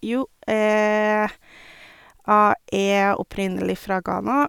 Jo, jeg er opprinnelig fra Ghana.